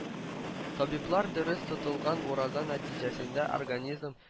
Табиблар дөрес тотылган ураза нәтиҗәсендә организм